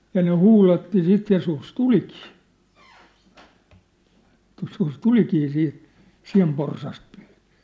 ja ne huudatti sitten ja susi tulikin joskus tulikin siitä sianporsasta pyytämään